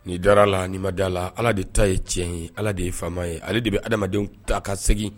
Nin da la ni ma da la ala de ta ye tiɲɛ ye ala de ye faama ye ale de bɛ adamadamadenw ta ka segin